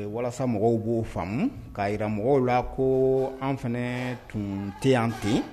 O walasa mɔgɔw b'o faamu k'a jira mɔgɔw la ko anw fana tun tɛ yan ten